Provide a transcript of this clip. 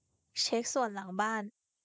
เช็คสวนหลังบ้าน